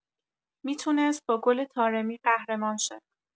میتونس با گل طارمی قهرمان شه